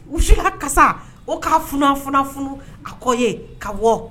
Wu sigiraka kasa o ka f ffunu a kɔ ye ka bɔ